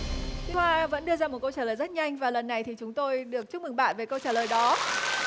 thoa vẫn đưa ra một câu trả lời rất nhanh và lần này thì chúng tôi được chúc mừng bạn về câu trả lời đó